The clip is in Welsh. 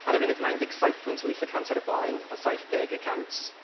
Ar y funud ma' undeg saith pwynt wyth y cant ar y blaen, efo saithdeg y cant.